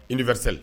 I nifa seli